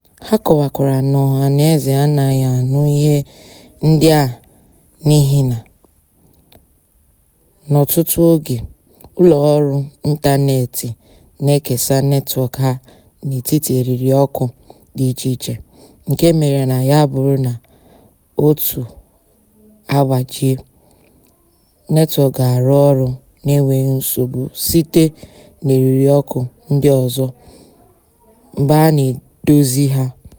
Ha kọwakwara na ọhanaeze anaghị anụ ihe ndị a n'ihina, n'ọtụtụ oge, ụlọọrụ ịntaneetị na-ekesa netwọk ha n'etiti eririọkụ dị icheiche nke mere na ya bụrụ na otu agbajie, netwọk ga-arụ ọrụ n'enweghị nsogbu site n'eririọkụ ndị ọzọ mgbe a na-edozi ha.